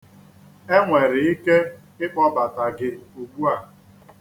E nwere ike ịkpọbata gị ugbu a.